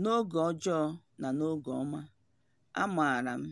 N'oge ọjọọ na oge ọma, a maara m